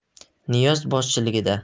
niyoz boshchiligida